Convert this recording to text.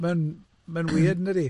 Mae'n mae'n weird, yn dydi?